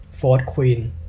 โฟธควีน